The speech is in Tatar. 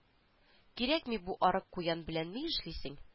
Кирәкми бу арык куян белән ни эшлисең